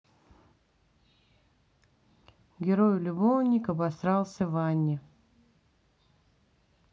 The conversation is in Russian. герой любовник обосрался в ванне